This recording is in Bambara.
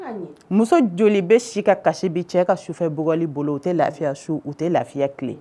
Muso joli bɛ si ka kasi bi cɛ ka sufɛ bugɔli bolo u tɛ lafiya su, u tɛ lafiya tile?